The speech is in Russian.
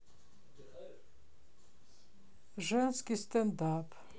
женский стенд ап